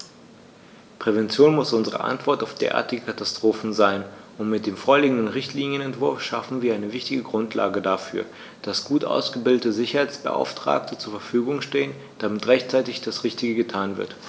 Prävention muss unsere Antwort auf derartige Katastrophen sein, und mit dem vorliegenden Richtlinienentwurf schaffen wir eine wichtige Grundlage dafür, dass gut ausgebildete Sicherheitsbeauftragte zur Verfügung stehen, damit rechtzeitig das Richtige getan wird.